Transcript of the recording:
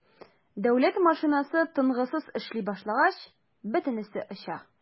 Дәүләт машинасы тынгысыз эшли башлагач - бөтенесе оча.